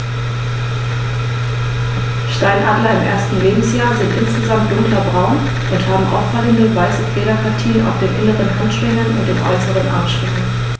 Steinadler im ersten Lebensjahr sind insgesamt dunkler braun und haben auffallende, weiße Federpartien auf den inneren Handschwingen und den äußeren Armschwingen.